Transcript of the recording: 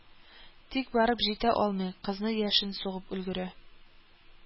Тик барып җитә алмый, кызны яшен сугып өлгерә